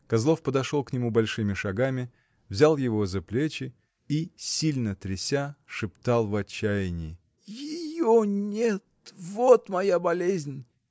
Козлов подошел к нему большими шагами, взял его за плеча и, сильно тряся, шептал в отчаянии: — Ее нет — вот моя болезнь!